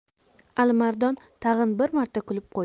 alimardon tag'in bir marta kulib qo'ydi